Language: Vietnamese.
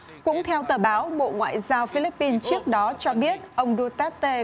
cũng theo tờ báo bộ ngoại giao phi líp pin trước đó cho biết ông đu téc tê